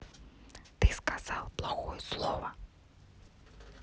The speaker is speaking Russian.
ты сказал плохое слово